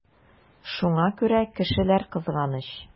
Шуңа күрә кешеләр кызганыч.